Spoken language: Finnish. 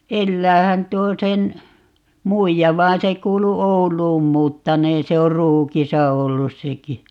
eläähän tuo sen muija vaan se kuului Ouluun muuttaneen se on Ruukissa ollut sekin